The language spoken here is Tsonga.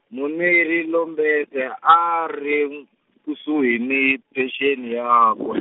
Muneri Lomberse a a ri, kusuhi ni, phenxeni yakwe.